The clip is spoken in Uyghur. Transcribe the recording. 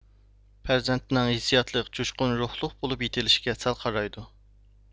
پەرزەنتىنىڭ ھېسسىياتلىق جۇشقۇن روھلۇق بولۇپ يېتىلىشىگە سەل قارايدۇ